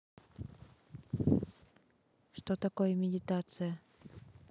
что такое медитация